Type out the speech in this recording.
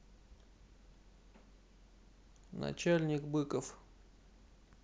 начальник быков